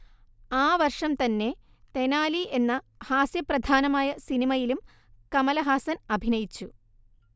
ആ വർഷം തന്നെ തെനാലി എന്ന ഹാസ്യപ്രധാനമായ സിനിമയിലും കമലഹാസൻ അഭിനയിച്ചു